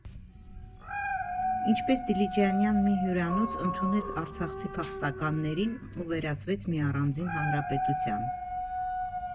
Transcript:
Ինչպես դիլիջանյան մի հյուրանոց ընդունեց արցախցի փախստականներին ու վերածվեց մի առանձին հանրապետության։